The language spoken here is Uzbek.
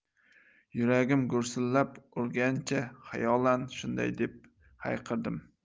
yuragim gursillab urgancha xayolan shunday deb hayqirdim